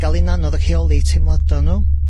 ga'l 'i'n anodd yn rheoli teimlada nw.